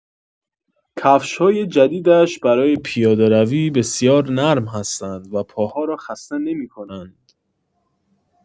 کفش‌های جدیدش برای پیاده‌روی بسیار نرم هستند و پاها را خسته نمی‌کنند.